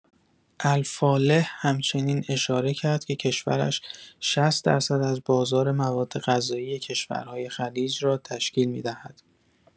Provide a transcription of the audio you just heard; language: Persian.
الفالح همچنین اشاره کرد که کشورش ۶۰ درصد از بازار موادغذایی کشورهای خلیج را تشکیل می‌دهد.